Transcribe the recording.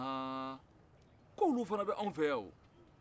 ɔɔn ko olu fana b'anw fɛ yan o